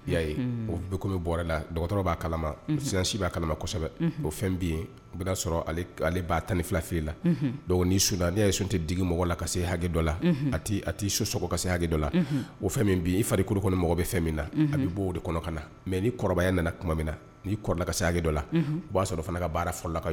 O la b'a kala sinsi b'a kalasɛbɛ o fɛn bɛ yen o bɛna sɔrɔ ale tan ni fila fi la ni sunda ne ye sun tɛ diigi mɔgɔ la ka se hakɛ dɔ la a tɛ so so ka seya hakɛ dɔ la o fɛn min i fa kulukɔnɔ mɔgɔ bɛ fɛn min na a bɛ bɔ o de kɔnɔ ka na mɛ ni kɔrɔbayaya nana tuma min na ni'i kɔrɔlakayage dɔ la o b'a sɔrɔ fana ka baara farala